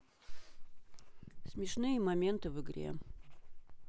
смешные моменты в игре